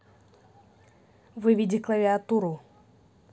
выведи клавиатуру